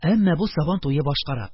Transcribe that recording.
Әмма бу сабан туе башкарак.